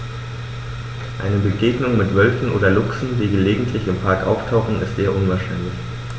Eine Begegnung mit Wölfen oder Luchsen, die gelegentlich im Park auftauchen, ist eher unwahrscheinlich.